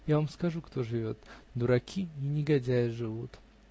Я вам скажу, кто живет: дураки и негодяи живут.